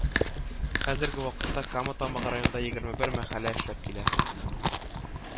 Хәзерге вакытта Кама тамагы районында егерме бер мәхәллә эшләп килә